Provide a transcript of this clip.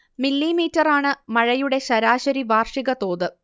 മില്ലീമീറ്ററാണ് മഴയുടെ ശരാശരി വാർഷിക തോത്